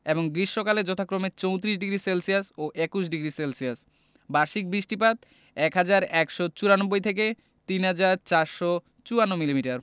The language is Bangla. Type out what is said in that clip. এবং গ্রীষ্মকালে যথাক্রমে ৩৪ডিগ্রি সেলসিয়াস ও ২১ডিগ্রি সেলসিয়াস বার্ষিক বৃষ্টিপাত ১হাজার ১৯৪ থেকে ৩হাজার ৪৫৪ মিলিমিটার